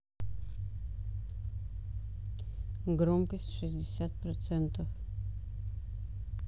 громкость шестьдесят процентов